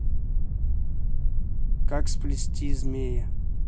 как сплести змея